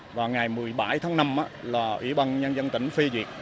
vào ngày mười bảy tháng năm là ủy ban nhân dân tỉnh phê duyệt